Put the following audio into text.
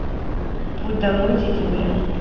путь домой дидюля